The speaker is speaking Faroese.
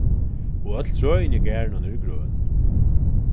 og øll trøini í garðinum eru grøn